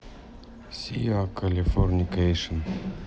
сиа калифорникейшн